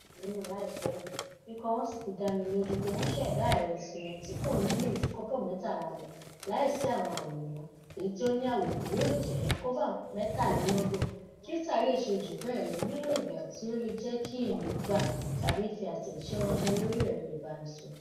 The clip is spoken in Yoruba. Mo kàn sí Maneno láìpẹ́ yìí, ikọ̀ wọn sì fi dá mi lójú pé wọn ṣẹ̀dá ẹ̀rọ tiwọn tí kò ní lò ju 13 kb lọ lai sí àwọn àwòrán, èyí tó ní àwòrán yóò jẹ́ 33 kb. Twitter lè ṣe jù bẹ́ẹ̀ lọ níwọ̀n ìgbà tí ó lè jẹ́ kí èèyàn gbà tàbí fi àtẹ̀jíṣẹ́ ránṣẹ́ lórí ẹ̀rọ ìbánisọ̀rọ̀.